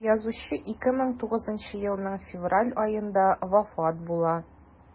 Язучы 2009 елның февраль аенда вафат була.